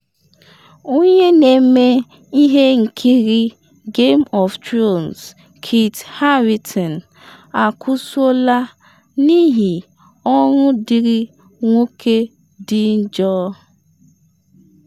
Onye na-eme ihe nkiri Game of Thrones Kit Harrington akụsuola n’ihi ọrụ dịrị nwoke dị njọ